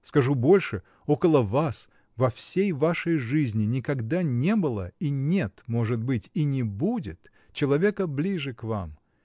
Скажу больше: около вас, во всей вашей жизни, никогда не было и нет, может быть, и не будет человека ближе к вам.